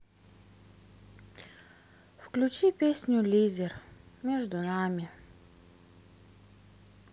включи песню лизер между нами